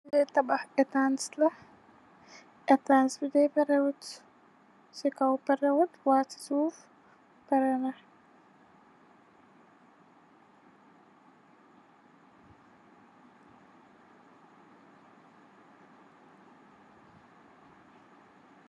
Lii tabakh ehtanss la, ehtanss bii dae pareh wut, cii kaw pareh wut yy cii suff pareh na.